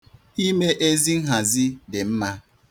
Ime ezi nhazi dị mma.